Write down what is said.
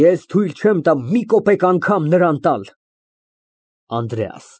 Ես թույլ չեմ տա մի կոպեկ անգամ տալ նրան։ ԱՆԴՐԵԱՍ ֊